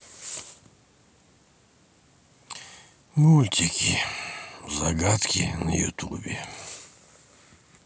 мультики загадки на ютубе